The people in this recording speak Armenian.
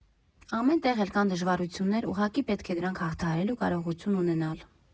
Ամեն տեղ էլ կան դժվարություններ, ուղղակի պետք է դրանք հաղթահարելու կարողություն ունենալ։